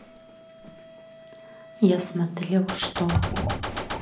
я смотрел что